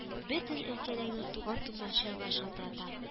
Бөтен өлкәдәге туган-тумачага шалтырата